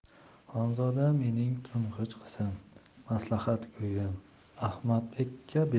xonzoda mening to'ng'ich qizim maslahatgo'yim ahmadbekka